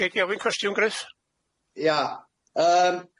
Gei ofyn cwestiwn Griff? Ia yym